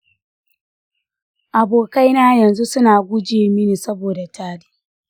abokaina yanzu suna guje mini saboda tari.